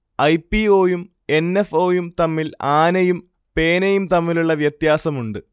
I. P. O യും N. F. O യും തമ്മിൽ ആനയും പേനയും തമ്മിലുള്ള വ്യത്യാസമുണ്ട്